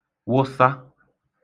wụsa